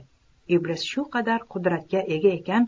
iblis shu qadar qudratga ega ekan